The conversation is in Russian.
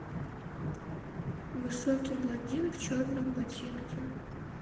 высокий блондин в черном ботинке